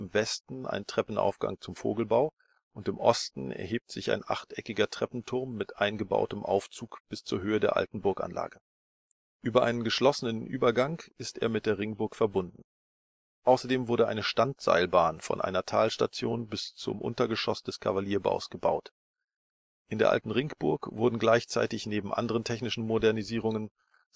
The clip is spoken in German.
Westen ein Treppenaufgang zum „ Vogelbau “und im Osten erhebt sich ein achteckiger Treppenturm mit eingebautem Aufzug bis zur Höhe der alten Burganlage. Über einen geschlossenen Übergang ist er mit der Ringburg verbunden. Außerdem wurde eine Standseilbahn von einer Talstation bis zum Untergeschoss des „ Cavallierbaus “gebaut. In der alten Ringburg wurden gleichzeitig neben anderen technischen Modernisierungen, Sanitäreinrichtungen